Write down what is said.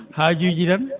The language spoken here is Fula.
haajuji tan